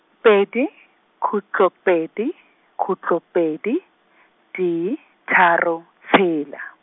pedi, khutlo pedi, khutlo pedi, tee, tharo, tshela.